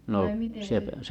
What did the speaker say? tai miten